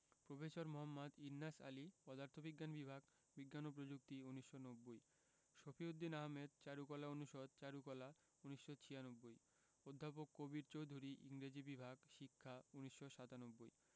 professor Md Innas Ali পদার্থবিজ্ঞান বিভাগ বিজ্ঞান ও প্রযুক্তি ১৯৯০ শফিউদ্দীন আহমেদ চারুকলা অনুষদ চারুকলা ১৯৯৬ অধ্যাপক কবীর চৌধুরী ইংরেজি বিভাগ শিক্ষা ১৯৯৭